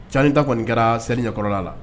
Cani ta kɔni kɛra seli ɲɛkɔrɔla la